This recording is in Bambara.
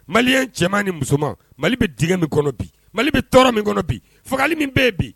Malien cɛman ni musoman Mali bɛ diɲɛ min kɔnɔ bi, Mali bɛ tɔɔrɔ min kɔnɔ bi, fagali min bɛ yen bi